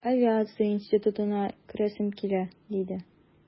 Авиация институтына керәсем килә, диде...